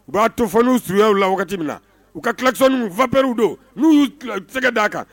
U b'a to fɔ n'u suyaw la wagati min na u ka kiti ninnu faprw don n'u yu sɛgɛ d' aa kan